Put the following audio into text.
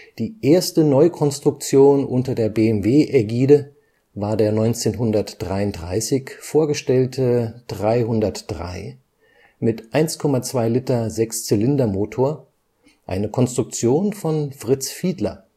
Die erste Neukonstruktion unter der BMW-Ägide war der 1933 vorgestellte 303 mit 1,2 Liter 6-Zylindermotor, eine Konstruktion von Fritz Fiedler